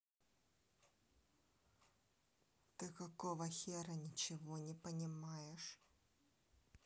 ты какого хера ничего не понимаешь